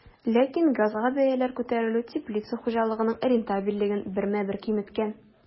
Ләкин газга бәяләр күтәрелү теплица хуҗалыгының рентабельлеген бермә-бер киметкән.